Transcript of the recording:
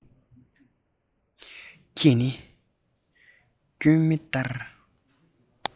ཁྱེད ནི སྒྲོན མེ ལྟར